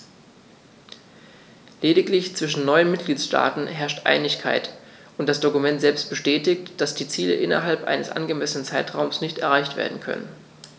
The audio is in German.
Lediglich zwischen neun Mitgliedsstaaten herrscht Einigkeit, und das Dokument selbst bestätigt, dass die Ziele innerhalb eines angemessenen Zeitraums nicht erreicht werden können.